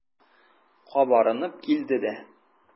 Кабарынып килде дә.